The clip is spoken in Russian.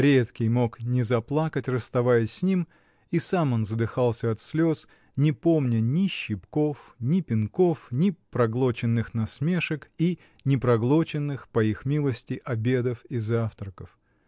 Редкий мог не заплакать, расставаясь с ним, и сам он задыхался от слез, не помня ни щипков, ни пинков, ни проглоченных насмешек и не проглоченных, по их милости, обедов и завтраков.